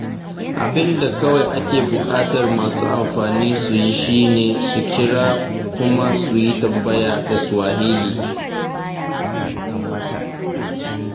Abin da kawai ake buƙatar masu amfani su yi shi ne, su kira kuma su yi tambaya da Swahili.